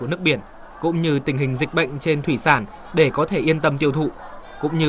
của nước biển cũng như tình hình dịch bệnh trên thủy sản để có thể yên tâm tiêu thụ cũng như